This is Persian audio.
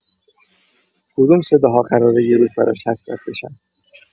کدوم صداها قراره یه روز براش حسرت بشن.